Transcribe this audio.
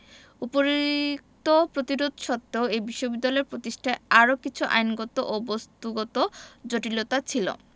উপরিউক্ত প্রতিরোধ সত্তেও এ বিশ্ববিদ্যালয় প্রতিষ্ঠায় আরও কিছু আইনগত ও বস্তুগত জটিলতা ছিল